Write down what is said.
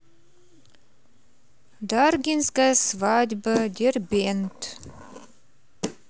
даргинская свадьба дербент